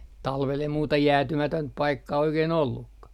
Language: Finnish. talvella ja muuta jäätymätöntä paikkaa oikein ollutkaan